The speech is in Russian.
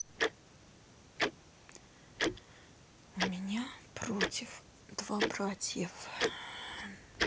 у меня против два братьев